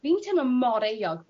fi'n teimlo mor euog